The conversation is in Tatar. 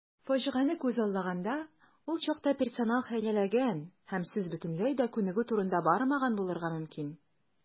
Фаҗигане күзаллаганда, ул чакта персонал хәйләләгән һәм сүз бөтенләй дә күнегү турында бармаган булырга мөмкин.